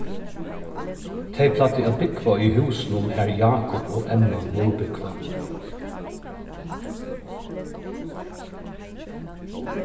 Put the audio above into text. tey plagdu at búgva í húsunum har jákup og emma nú búgva